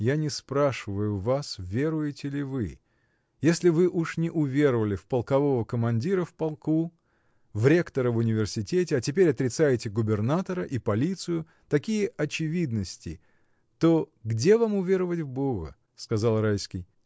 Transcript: — Я не спрашиваю вас, веруете ли вы: если вы уж не уверовали в полкового командира в полку, в ректора в университете, а теперь отрицаете губернатора и полицию — такие очевидности, то где вам уверовать в Бога! — сказал Райский.